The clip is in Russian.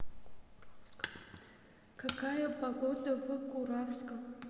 какая погода в куравском